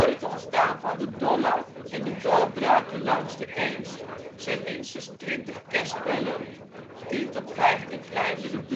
het ontstaan van de Dollard en de doorbraken langs de Eems zijn minstens twintig kerspelen, tien tot vijftien kleinere